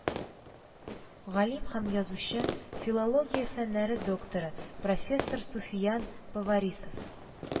Галим һәм язучы, филология фәннәре докторы, профессор суфиян поварисов